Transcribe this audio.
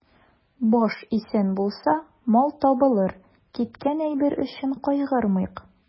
Баш исән булса, мал табылыр, киткән әйбер өчен кайгырмыйк.